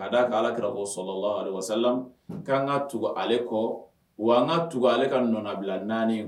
Ka da a ka alaki bɔ sɔrɔ la wasala ka'an ka tugu ale kɔ wa an ka tugu ale kaɔnɔbila naani